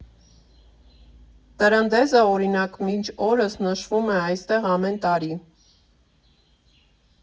Տրընդեզը, օրինակ, մինչ օրս նշվում է այստեղ ամեն տարի։